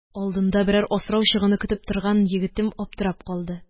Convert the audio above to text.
Алдында берәр асрау чыгуны көтеп торган егетем аптырап калды.